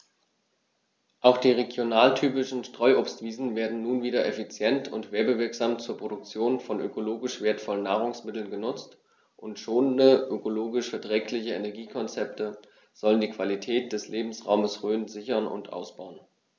Auch die regionaltypischen Streuobstwiesen werden nun wieder effizient und werbewirksam zur Produktion von ökologisch wertvollen Nahrungsmitteln genutzt, und schonende, ökologisch verträgliche Energiekonzepte sollen die Qualität des Lebensraumes Rhön sichern und ausbauen.